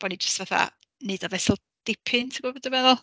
Bod ni jyst fatha eneud o fesul dipyn, ti'n gwbod be dwi feddwl?